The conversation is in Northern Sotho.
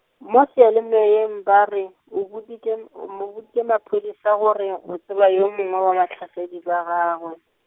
mo seyalemoyeng ba re, o boditše -m o mo boditše maphodisa gore o tseba yo mongwe wa bahlasedi ba gagwe.